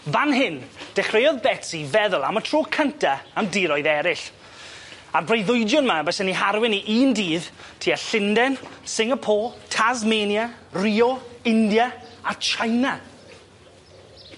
Fan hyn dechreuodd Betsi feddwl am y tro cynta am diroedd eryll a'r breuddwydion 'ma bysen 'i harwen 'i un dydd tua Llunden Singapore Tasmania Rio India a China.